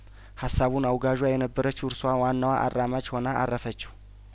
ሀሳቡን አውጋዧ የነበረችው እራሷ ዋናዋ አራማጅ ሆና አረፈችው